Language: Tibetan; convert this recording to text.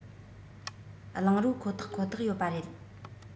རླངས རོ ཁོ ཐག ཁོ ཐག ཡོད པ རེད